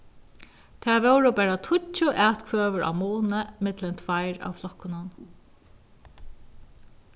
tað vóru bara tíggju atkvøður á muni millum tveir av flokkunum